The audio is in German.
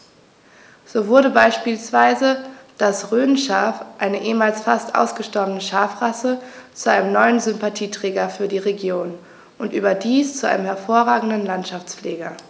So wurde beispielsweise das Rhönschaf, eine ehemals fast ausgestorbene Schafrasse, zu einem neuen Sympathieträger für die Region – und überdies zu einem hervorragenden Landschaftspfleger.